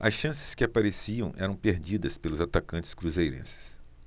as chances que apareciam eram perdidas pelos atacantes cruzeirenses